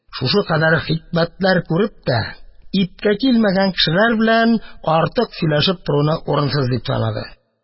Шушы кадәр хикмәтләр күреп тә ипкә килмәгән кешеләр белән артык сөйләшеп торуны урынсыз санады.